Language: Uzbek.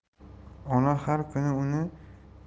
ona har kuni